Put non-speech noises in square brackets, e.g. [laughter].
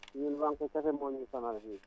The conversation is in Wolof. [noise] ñuy wànq kese moo ñuy sonal fii